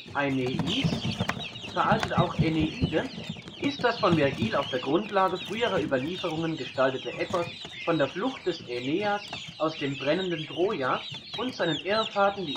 Aeneis (veraltet auch Äneide) ist das von Vergil auf der Grundlage früherer Überlieferungen gestaltete Epos von der Flucht des Aeneas aus dem brennenden Troja und seinen Irrfahrten